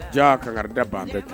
Jaa ka garida ban bɛɛ